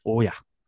O, ia!